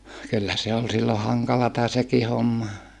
kyllä se oli silloin hankalaa sekin homma